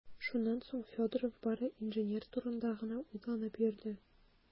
Шуннан соң Федоров бары инженер турында гына уйланып йөрде.